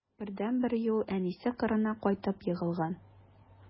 Бердәнбер юл: әнисе кырына кайтып егылган.